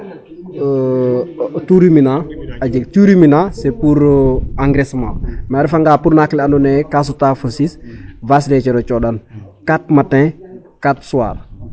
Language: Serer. tout ruminant a jeg tout riuminant c' est pour engraissement mais a refanga naak le andoona yee kaa sutaa fo siis vache légère o cooxan quatre matin quatre soir.